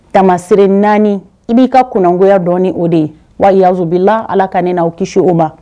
Tamasire naani i b'i ka kungoya dɔ o de ye wa y yazbilala ala ka n' aw kisi o ma